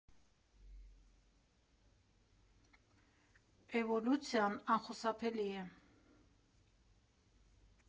Էվոլյուցիան անխուսափելի է։